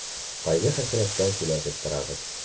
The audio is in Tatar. Кайгы-хәсрәттән сөйләшеп торабыз.